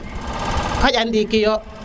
xadja ndiki yo